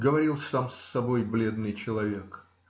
говорил сам с собой бледный человек,